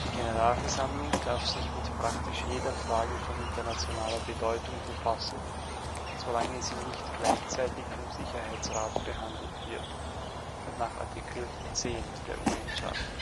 Generalversammlung darf sich mit praktisch jeder Frage von internationaler Bedeutung befassen, solange sie nicht gleichzeitig vom Sicherheitsrat behandelt wird (Art. 10 UN-Charta